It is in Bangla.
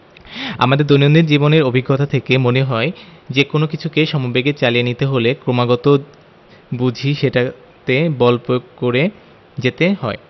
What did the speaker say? আমাদের দৈনন্দিন জীবনের অভিজ্ঞতা থেকে মনে হয় যেকোনো কিছুকে সমবেগে চালিয়ে নিতে হলে ক্রমাগত বুঝি সেটাতে বল প্রয়োগ করে যেতে হয়